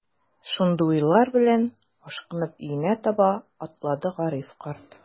Шундый уйлар белән, ашкынып өенә таба атлады Гариф карт.